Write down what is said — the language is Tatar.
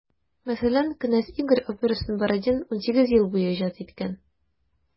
Мәсәлән, «Кенәз Игорь» операсын Бородин 18 ел буе иҗат иткән.